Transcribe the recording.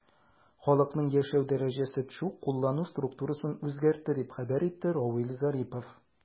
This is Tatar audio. Халыкның яшәү дәрәҗәсе төшү куллану структурасын үзгәртте, дип хәбәр итте Равиль Зарипов.